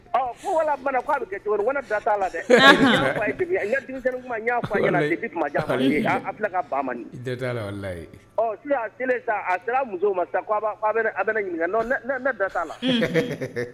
Ɔ, ko walla! Ko a bɛ kɛ cogo di? n ko ne da tɛ a la dɛ! n ka deminsɛnnin kuma n y'a fɔ a ɲɛna depuis kuma jan , a filɛ la ban a mɔn nin ye, a jo t'a la wallayi, ɔ sisan, a seren sa, a sera aw muso ma sa a bɛ ne ɲininka! Ne da t'a la!